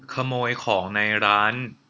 ขโมยของในร้าน